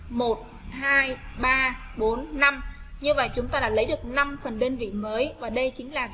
như vậy chúng ta là lấy được phần đơn vị mới và b chính là